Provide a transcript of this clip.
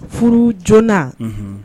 Furu joona